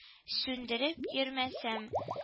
Сүндереп йөрмәсәм